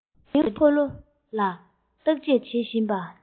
འདྲུད འཐེན འཁོར ལོ ལ བརྟག དཔྱད བྱེད པ བཞིན